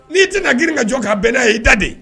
N'i tɛ grin ka jɔ k'a bɛnna ye i da de